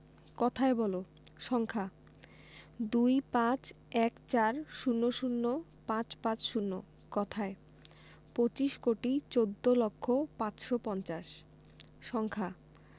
কথায় বলঃ সংখ্যাঃ ২৫ ১৪ ০০ ৫৫০ কথায়ঃ পঁচিশ কোটি চৌদ্দ লক্ষ পাঁচশো পঞ্চাশ সংখ্যাঃ